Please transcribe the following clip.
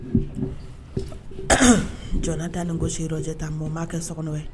Jɔn t' ni ko si tan'a kɛ so kɔnɔ